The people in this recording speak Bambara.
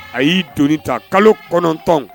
A y'i don ta kalo kɔnɔntɔn